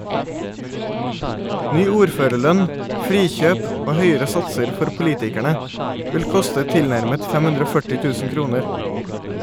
Ny ordførerlønn, frikjøp og høyere satser for politikerne, vil koste tilnærmet 540 000 kroner.